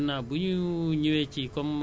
ne mbay ak càmm